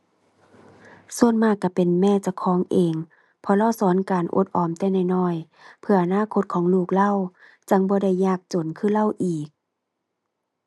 ส่วนมากก็เป็นแม่เจ้าของเอง เพราะเลาสอนการอดออมแต่น้อยน้อย เพื่ออนาคตของลูกเลา จั่งบ่ได้ยากจนคือเลาอีก